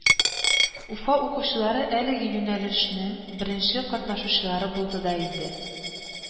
Уфа укучылары әлеге юнәлешнең беренче катнашучылары булды да инде